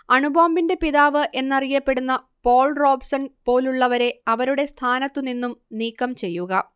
അണുബോംബിന്റെ പിതാവ് എന്നറിയപ്പെടുന്ന Paul Robeson പോലുള്ളവരെ അവരുടെ സ്ഥാനത്തു നിന്നും നീക്കംചെയ്യുക